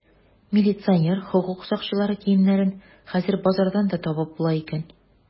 Милиционер, хокук сакчылары киемнәрен хәзер базардан да табып була икән.